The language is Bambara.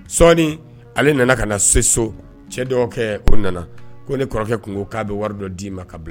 Sɔɔni ale nana ka na so so cɛ dɔw kɛ o nana ko ni kɔrɔkɛ tun ko k'a bɛ wari dɔ d'i ma ka bila